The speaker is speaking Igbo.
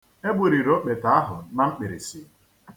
E gburiri okpete ahụ na mkpirisi.